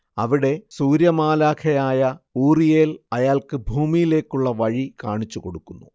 അവിടെ സൂര്യരമാലാഖയായ ഊറിയേൽ അയാൾക്ക് ഭൂമിയിലേയ്ക്കുള്ള വഴി കാണിച്ചുകൊടുക്കുന്നു